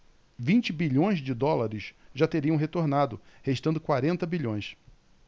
vinte bilhões de dólares já teriam retornado restando quarenta bilhões